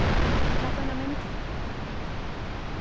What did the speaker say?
tak eina mynd